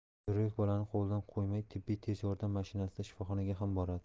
jo'rabek bolani qo'lidan qo'ymay tibbiy tez yordam mashinasida shifoxonaga ham boradi